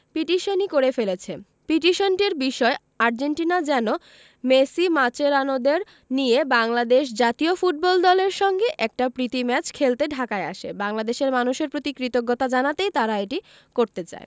পিটিশনই করে ফেলেছে পিটিশনটির বিষয় আর্জেন্টিনা যেন মেসি মাচেরানোদের নিয়ে বাংলাদেশ জাতীয় ফুটবল দলের সঙ্গে একটা প্রীতি ম্যাচ খেলতে ঢাকায় আসে বাংলাদেশের মানুষের প্রতি কৃতজ্ঞতা জানাতেই তারা এটি করতে চায়